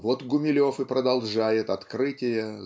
Вот Гумилев и продолжает открытия